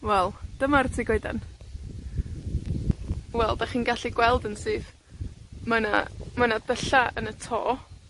Wel, dyma'r tŷ goeden. Wel, 'dach chi'n gallu gweld yn syth, mae 'na, mae 'na dylla' yn y to,